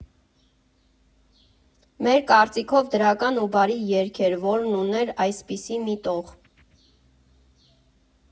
Մեր կարծիքով՝ դրական ու բարի երգ էր, որն ուներ այսպիսի մի տող.